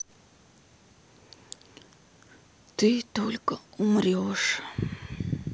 ты только умрешь